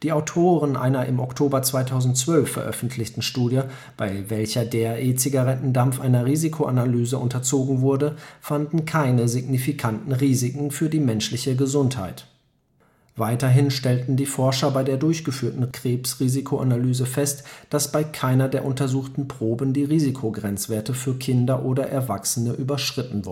Autoren einer im Oktober 2012 veröffentlichten Studie, bei welcher der E-Zigarettendampf einer Risikoanalyse unterzogen wurde, fanden keine signifikanten Risiken für die menschliche Gesundheit. Weiterhin stellten die Forscher bei der durchgeführten Krebsrisikoanalyse fest, dass bei keiner der untersuchten Proben die Risikogrenzwerte für Kinder oder Erwachsene überschritten